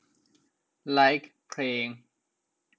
ไลค์เพลง